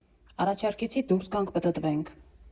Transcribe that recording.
Առաջարկեցի դուրս գանք, պտտվենք։